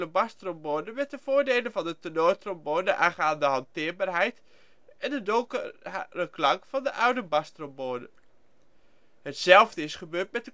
bastrombone met de voordelen van de tenortrombone aangaande hanteerbaarheid en de donkere klank van de oude bastrombone. Hetzelfde is gebeurd